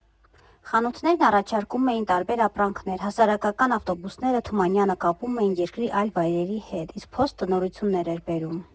Խանութներն առաջարկում էին տարբեր ապրանքներ, հասարակական ավտոբուսները Թումանյանը կապում էին երկրի այլ վայրերի հետ, իսկ փոստը նորություններ էր բերում։